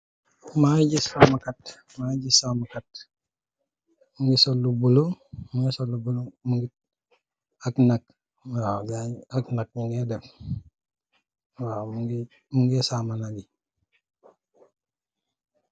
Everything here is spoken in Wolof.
Maa ngi gis sama kat, mu ngi sol lu bulo, ak naak , mu ngee dem. Waaw mu ngee sama nak yi.